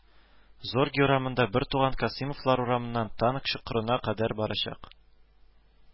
Зорге урамында Бертуган Касыймовлар урамыннан танк чокырына кадәр барачак